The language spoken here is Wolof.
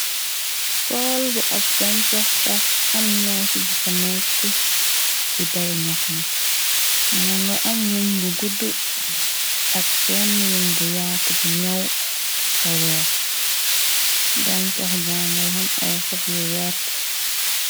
Tool bu ab gancax sax am ngoo ci bu fa nekk di bay ñax ma moo nga am weñ gu gudd ak benn weñ gu yaatu gu ñëw ta weex gancax ga nga wam ay xob yu wert.